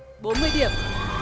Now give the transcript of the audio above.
bốn mươi điểm